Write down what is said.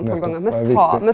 nettopp det er viktig.